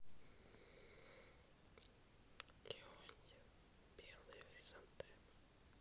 леонтьев белые хризантемы